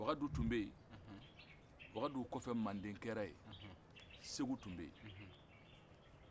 wakaduu tun bɛ wakaduu kɔfɛ manden kɛra ye segu tun bɛ